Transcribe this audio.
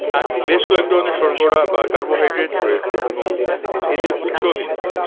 বেশ কয়েক ধরনের শর্করা বা কার্বোহাইড্রেট রয়েছে এবং এদের উৎসও ভিন্ন